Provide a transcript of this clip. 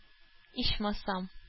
Ичмасам